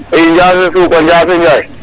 II Njas Supa Njase Njaay